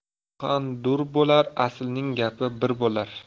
suxan dur bo'lar aslning gapi bir bo'lar